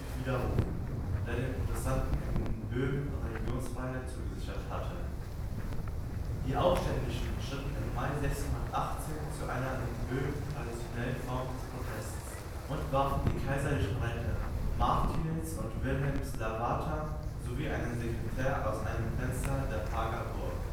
widerrufen, der den Protestanten in Böhmen Religionsfreiheit zugesichert hatte. Die Aufständischen schritten im Mai 1618 zu einer in Böhmen traditionellen Form des Protests und warfen die kaiserlichen Räte Martinitz und Wilhelm Slavata sowie einen Sekretär aus einem Fenster der Prager Burg